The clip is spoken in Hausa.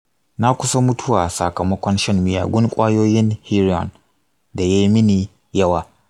na kusa mutuwa sakamakon shan miyagun ƙwayoyin heroin da ya yi mini yawa.